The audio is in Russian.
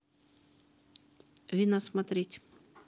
вина смотреть